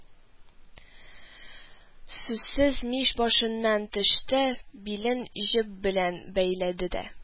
Сүзсез мич башыннан төште, билен җеп белән бәйләде дә: